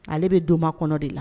Ale bɛ donba kɔnɔ de la